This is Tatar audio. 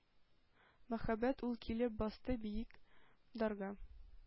Мәһабәт ул килеп басты биек «дар»га.